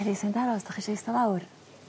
Y rhei sy mynd aros 'dach chi isio eiste lawr?